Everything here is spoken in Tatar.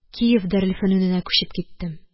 Киев дарелфөнүненә күчеп киттем